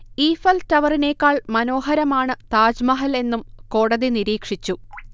Eiffel ടവറിനെക്കാൾ മനോഹരമാണ് താജ്മഹൽ എന്നും കോടതി നിരീക്ഷിച്ചു